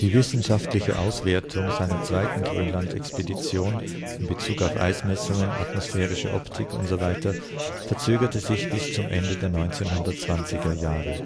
wissenschaftliche Auswertung seiner zweiten Grönlandexpedition (Eismessungen, atmosphärische Optik, etc.) verzögerte sich bis zum Ende der 1920er Jahre